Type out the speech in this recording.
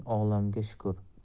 keng olamga shukur